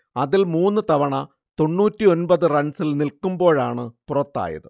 അതിൽ മൂന്ന് തവണ തൊണ്ണൂറ്റിയൊമ്പത് റൺസിൽ നിൽക്കുമ്പോഴാണ് പുറത്തായത്